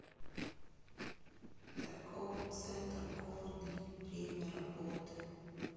торговый центр горный время работы